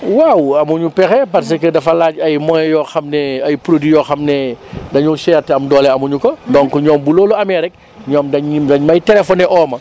waaw amuñu pexe parce que dafa laaj ay moyens yoo xam ne ay produits yoo xam ne dañoo cher te am doole amuñu ko donc ñoom bu loolu amee rek ñoom dañuy dañ may téléphoné oo ma